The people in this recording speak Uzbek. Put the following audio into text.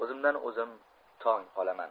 o'zimdan o'zim tong qolaman